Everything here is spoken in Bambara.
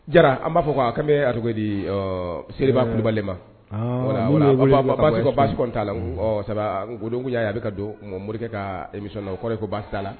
Jara an b'a fɔ ko a an bɛt di seliba kulubali ma basi t'a la sabu'a a bɛ ka don morikɛ kami kɔrɔ ko basala